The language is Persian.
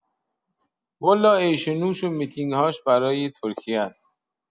والا عیش و نوش و میتینگاش برا ترکیه ست.